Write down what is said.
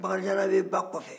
bakarijanna bɛ ba kɔfɛ